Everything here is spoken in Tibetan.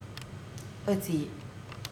ཨ ཙི